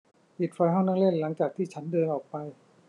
ปิดไฟห้องนั่งเล่นหลังจากที่ฉันเดินออกไป